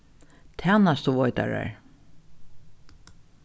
tænastuveitarar